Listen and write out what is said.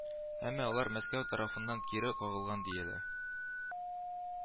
Әмма алар Мәскәү тарафыннан кире кагылган, диелә